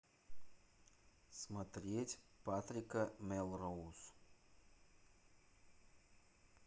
смотреть патрика мелроуз